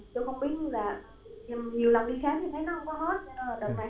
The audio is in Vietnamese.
tôi không biết là nhiều lần đi khám thì thấy nó